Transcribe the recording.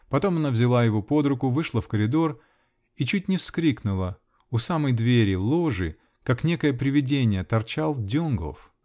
Потом она взяла его под руку, вышла в коридор -- и чуть не вскрикнула: у самой двери ложи, как некое привидение, торчал Донгоф